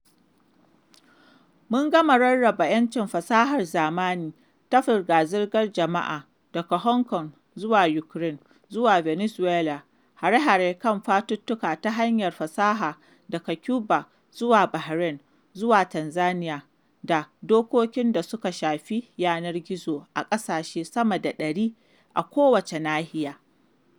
Mun gama rarraba 'yancin fasahar zamani ta zirga-zirgar jama’a daga Hong Kong zuwa Ukraine zuwa Venezuela, hare-hare kan fafutuka ta hanyar fasaha daga Cuba zuwa Bahrain zuwa Tanzania, da dokokin da suka shafi yanar gizo a ƙasashe sama da 100 a kowace nahiya.